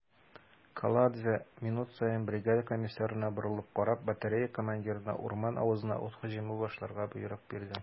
Каладзе, минут саен бригада комиссарына борылып карап, батарея командирына урман авызына ут һөҗүме башларга боерык бирде.